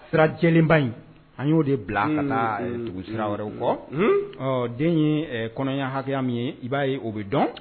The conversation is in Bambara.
Sirajɛba in an y'o de bila an ka na wu sira wɛrɛ kɔ ɔ den ye kɔnɔya hakɛya min ye i b'a ye o bɛ dɔn